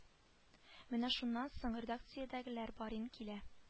Менә шуннан соң редакциядәгеләр барин килә